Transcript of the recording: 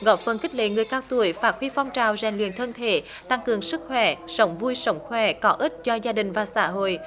góp phần khích lệ người cao tuổi phát huy phong trào rèn luyện thân thể tăng cường sức khỏe sống vui sống khỏe có ích cho gia đình và xã hội